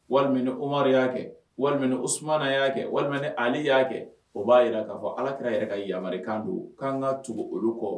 Walima omari y'a kɛ walima osumana y'a kɛ walima ali y'a kɛ o b'a jira k'a fɔ ala kɛra yɛrɛ ka yama kan don k' kan ka tugu olu kɔ